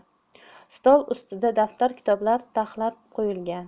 stol ustida daftar kitoblar taxlab qo'yilgan